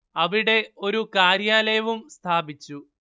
അവിടെ ഒരു കാര്യാലയവും സ്ഥാപിച്ചു